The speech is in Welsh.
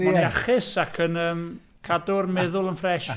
Iachus ac yn yym cadw'r meddwl yn ffres.